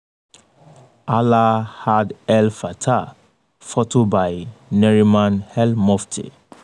Alaa Abd El Fattah, photo by Nariman El-Mofty.